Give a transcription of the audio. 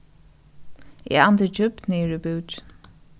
eg andi djúpt niður í búkin